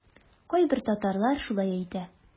Кайбер татарлар шулай әйтә.